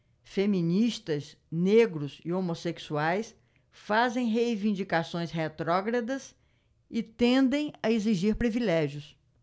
feministas negros e homossexuais fazem reivindicações retrógradas e tendem a exigir privilégios